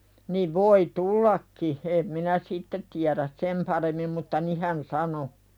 niin voi tullakin en minä sitten tiedä sen paremmin mutta niin hän sanoi